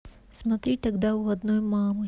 смотри тогда у одной мамы